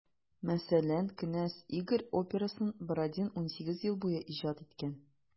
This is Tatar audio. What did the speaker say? Мәсәлән, «Кенәз Игорь» операсын Бородин 18 ел буе иҗат иткән.